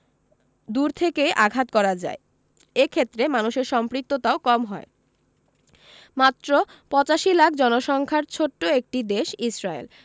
দূর থেকেই আঘাত করা যায় এ ক্ষেত্রে মানুষের সম্পৃক্ততাও কম হয় মাত্র ৮৫ লাখ জনসংখ্যার ছোট্ট একটি দেশ ইসরায়েল